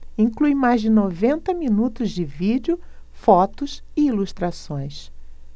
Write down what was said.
inclui mais de noventa minutos de vídeo fotos e ilustrações